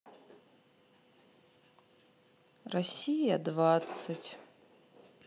россия двадцать